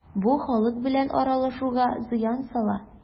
Бу халык белән аралашуга зыян сала.